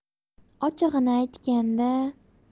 ochig'ini aytganda